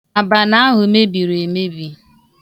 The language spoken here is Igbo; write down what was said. Abana ahụ mebiri emebi.